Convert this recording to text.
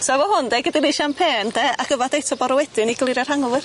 So efo hwn de gei di neud champagne de ac yfad eto bore wedyn i glirio'r hangover.